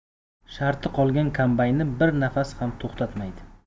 sharti qolgan kombaynni bir nafas ham to'xtatmaydi